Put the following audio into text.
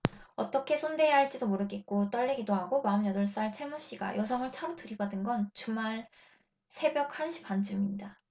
어떻게 손대야 할지도 모르겠고 떨리기도 하고 마흔 여덟 살 최 모 씨가 여성을 차로 들이받은 건 주말 새벽 한 시 반쯤입니다